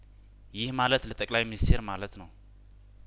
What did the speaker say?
ይህ ማለት ለጠቅላይ ሚኒስቴር ማለት ነው